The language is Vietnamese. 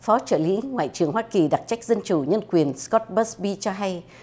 phó trợ lý ngoại trưởng hoa kỳ đặc trách dân chủ nhân quyền sờ cóp bớt bi cho hay